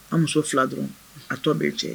An muso fila dɔrɔn a tɔ bɛ cɛ